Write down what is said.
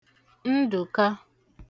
Ndụ̀ka